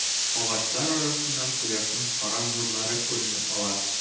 Агачлар арасыннан кояшның саран нурлары күренеп ала.